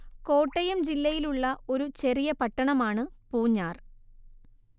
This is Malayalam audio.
കോട്ടയം ജില്ലയിലുള്ള ഒരു ചെറിയ പട്ടണമാണ് പൂഞ്ഞാർ